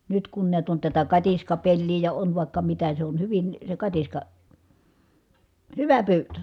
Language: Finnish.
nyt kun näet on tätä katiskapeliä ja on vaikka mitä se on hyvin se katiska hyvä pyytö